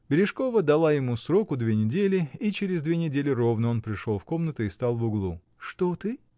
Бережкова дала ему сроку две недели, и через две недели ровно он пришел в комнаты и стал в углу. — Что ты?